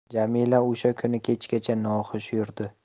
jamila o'sha kuni kechgacha noxush yurdi